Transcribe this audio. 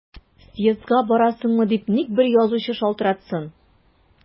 Съездга барасыңмы дип ник бер язучы шалтыратсын!